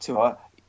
ti'mo'